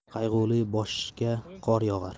qayg'uli boshga qor yog'ar